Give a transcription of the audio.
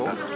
xetax